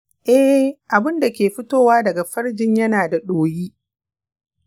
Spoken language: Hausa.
eh, abunda ke fitowa daga farjin ya na ɗoyi